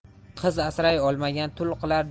qiz asray olmagan tul qilar